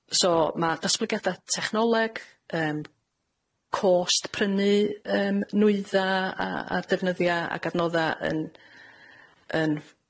So ma' datblygiada technoleg, yym, cost prynu yym nwydda a a'r defnyddia ag adnodda yn yn